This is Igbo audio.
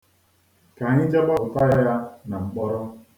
Ka anyị jee gbapụta ya na mkpọrọ.